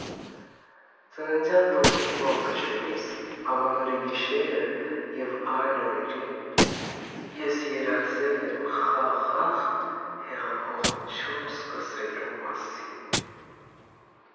Ծննդյան տորթի մոմ փչելիս, Ամանորի գիշերը և այլ օրերին ես երազել եմ խաղաղ հեղափոխություն սկսելու մասին։